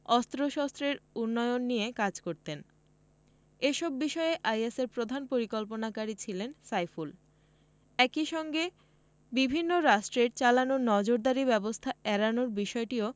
অস্ত্রশস্ত্রের উন্নয়ন নিয়ে কাজ করতেন এসব বিষয়ে আইএসের প্রধান পরিকল্পনাকারী ছিলেন সাইফুল একই সঙ্গে বিভিন্ন রাষ্ট্রের চালানো নজরদারি ব্যবস্থা এড়ানোর বিষয়টিও